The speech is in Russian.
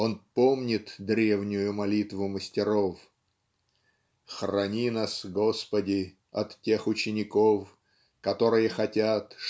он "помнит древнюю молитву мастеров" Храни нас Господи от тех учеников Которые хотят